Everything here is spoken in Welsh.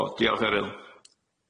O diolch Eryl.